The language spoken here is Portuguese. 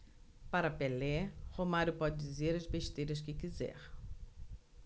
para pelé romário pode dizer as besteiras que quiser